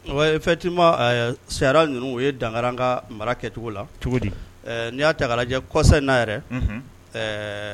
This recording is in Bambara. Ɔ ouai effectivement ɛɛ charia ninnu u ye daŋari an kaa mara kɛcogo la cogodi ɛɛ n'i y'a ta ka lajɛ kɔsan in na yɛrɛ unhun ɛɛ